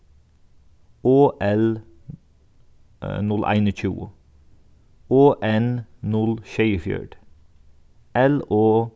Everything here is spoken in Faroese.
o l null einogtjúgu o n null sjeyogfjøruti l o